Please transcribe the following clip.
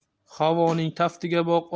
havoning taftiga boq